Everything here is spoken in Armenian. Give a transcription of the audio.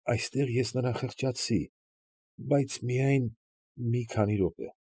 Այստեղ ես նրան խղճացի, բայց միայն մի քանի րոպե։